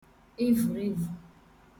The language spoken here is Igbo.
evùrevu